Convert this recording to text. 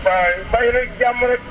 waaw mbaa yéen a ngi si jàmm rek